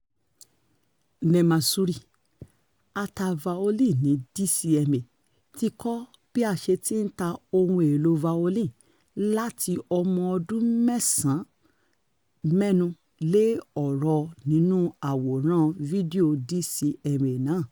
Neema Surri, a ta violin ní DCMA, ti ń kọ́ bí a ti ṣe ń ta ohun èlòo violin láti ọmọdún mẹ́sàn-án mẹ́nu lé ọ̀rọ̀ nínú àwòrán fídíò DCMA náà.